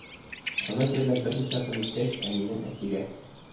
Аны җирләп берничә көн үткәч, әнинең әтигә: